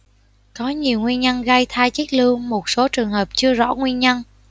có nhiều nguyên nhân gây thai chết lưu một số trường hợp chưa rõ nguyên nhân